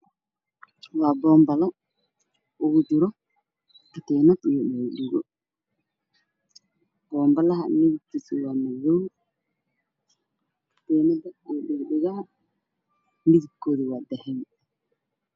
Waa boombalo miiskiisa yahay madow waxaa suran ka teenkiisii hay-adahay darbiga wacdaan